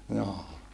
joo